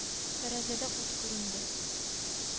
Тәрәзәдә ут күренде